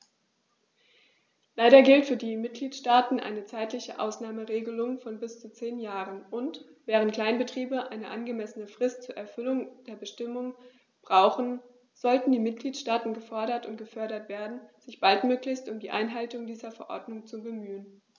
Leider gilt für die Mitgliedstaaten eine zeitliche Ausnahmeregelung von bis zu zehn Jahren, und, während Kleinbetriebe eine angemessene Frist zur Erfüllung der Bestimmungen brauchen, sollten die Mitgliedstaaten gefordert und gefördert werden, sich baldmöglichst um die Einhaltung dieser Verordnung zu bemühen.